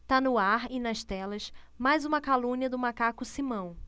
tá no ar e nas telas mais uma calúnia do macaco simão